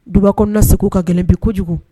Dugba kɔnɔ na segu ka gɛlɛn bi kojugu